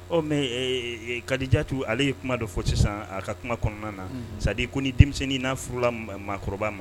Ɔ mais Kadijatu ale ye kuma dɔ fɔ sisan ,a ka kuma kɔnɔna na ça dire ko ni denmisɛnnin na furula maakɔrɔbaba ma